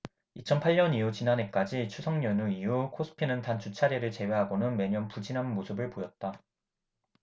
이천 팔 년 이후 지난해까지 추석 연휴 이후 코스피는 단 두 차례를 제외하고는 매년 부진한 모습을 보였다